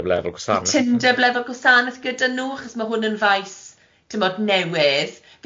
cytundeb lefel gwasanaeth cytundeb lefel gwasanaeth gyda nhw chos ma' hwn yn faes timod newydd.